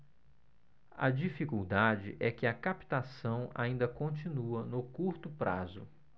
a dificuldade é que a captação ainda continua no curto prazo